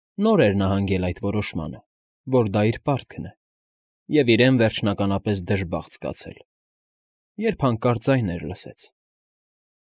Նոր էր նա հանգել այդ որոշմանը, որ դա իր պարտքն է, և իրեն վերջնակապանես դժբախտ զգացել, երբ հանկարծ ձայներ լսեց։